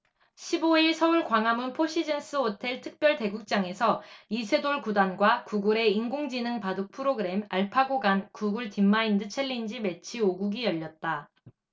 십 오 일 서울 광화문 포시즌스호텔 특별대국장서 이 아홉 단과 구글의 인공지능 바둑 프로그램 알파고 간 구글 딥마인드 챌린지 매치 오 국이 열렸다